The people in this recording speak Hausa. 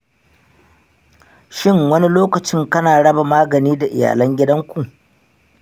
shin wani lokacin kana raba magani da iyalan gidanku?